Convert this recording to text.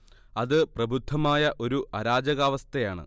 അത് പ്രബുദ്ധമായ ഒരു അരാജകാവസ്ഥയാണ്